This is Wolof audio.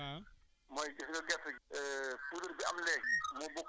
waaw pour mu ba léegi sax pour mu sax am na problème parce que problème bi